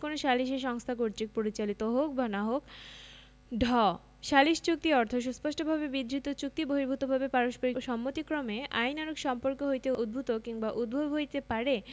কোন সালিসী সংস্থা কর্তৃক পরিচালিত হউক বা না হউক ঢ সালিস চুক্তি অর্থ সুস্পষ্টভাবে বিধৃত চুক্তিবহির্ভুতভাবে পারস্পরিক সম্মতিক্রমে আইনানুগ সম্পর্ক হইতে উদ্ভুত কিংবা উদ্ভব হইতে পারে